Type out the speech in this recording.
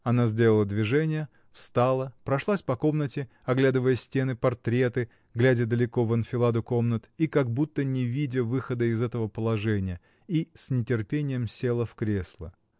Она сделала движение, встала, прошлась по комнате, оглядывая стены, портреты, глядя далеко в анфиладу комнат и как будто не видя выхода из этого положения, и с нетерпением села в кресло.